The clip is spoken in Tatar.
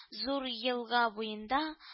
Зур елга буенда